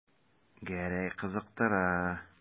Гәрәй кызыктыра.